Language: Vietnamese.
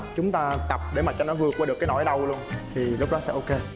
chúng ta tập để mà cho nó vượt qua được cái nỗi đau luôn thì lúc đó sẽ ô kê